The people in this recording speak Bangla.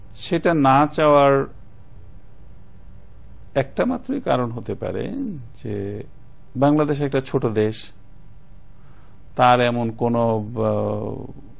তারা বাংলাদেশের এই আছে সেটা না চাওয়ার একটা মাত্রই কারণ হতে পারে যে বাংলাদেশ একটা ছোট দেশ তার এমন কোন